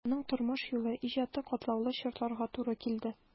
Аның тормыш юлы, иҗаты катлаулы чорларга туры килде.